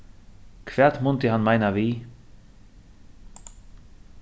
hvat mundi hann meina við